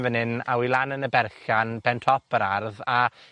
...fan 'yn, a wi lan yn y berllan, ben top yr ardd, a